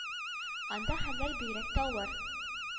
Анда хәлләр бигрәк тә авыр